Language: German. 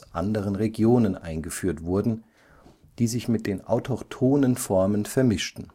anderen Regionen eingeführt wurden, die sich mit den autochthonen Formen vermischten